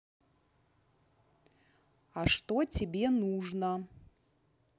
а что тебе нужно